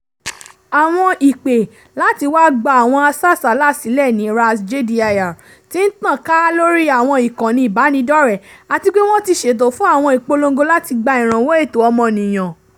Àwọn ìpè láti wá gba àwọn asásàálà sílẹ̀ ní Ras Jdir ti ń tàn ká lórí àwọn ìkànnì ìbánidọ́rẹ̀ẹ́, àti pé wọ́n ti ṣètò fún àwọn ìpolongo láti gba ìrànwọ́ ẹ̀tọ́ ọmọnìyàn.